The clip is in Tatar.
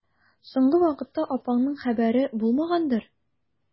Соңгы вакытта апаңның хәбәре булмагандыр?